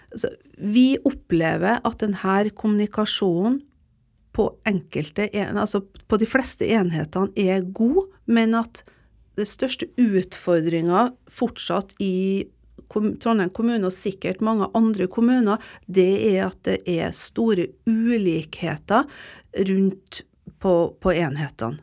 altså vi opplever at den her kommunikasjonen på enkelte altså på de fleste enhetene er god men at den største utfordringa fortsatt i Trondheim kommune og sikkert mange andre kommuner det er at det er store ulikheter rundt på på enhetene.